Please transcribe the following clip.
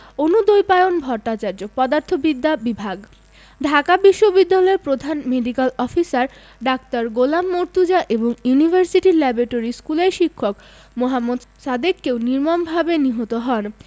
অনুদ্বৈপায়ন ভট্টাচার্য পদার্থবিদ্যা বিভাগ ঢাকা বিশ্ববিদ্যালয়ের প্রধান মেডিক্যাল অফিসার ডা. গোলাম মর্তুজা এবং ইউনিভার্সিটি ল্যাবরেটরি স্কুলের শিক্ষক মোহাম্মদ সাদেককেও নির্মমভাবে নিহত হন